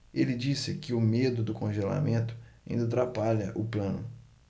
ele disse que o medo do congelamento ainda atrapalha o plano